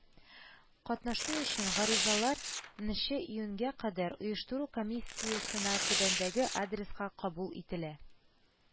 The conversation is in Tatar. Катнашу өчен гаризалар нче июньгә кадәр оештыру комиссиясенә түбәндәге адреска кабул ителә: